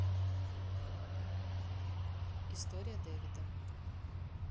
история дэвида